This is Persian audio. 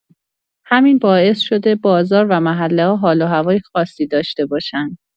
همین باعث شده بازار و محله‌ها حال‌وهوای خاصی داشته باشن.